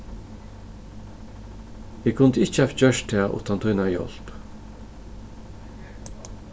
eg kundi ikki havt gjørt tað uttan tína hjálp